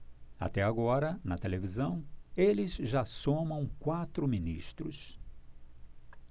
até agora na televisão eles já somam quatro ministros